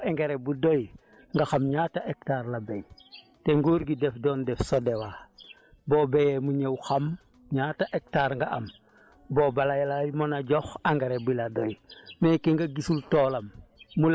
ndax nit balaa nga koy mën a jox engrais bu doy nga xam ñaata hectares la béy te nguur gi daf doon def sa SODOA boo béyee mu ñëw xam ñaata hectares nga am boo ba la lay mën a jox engrais bi la doy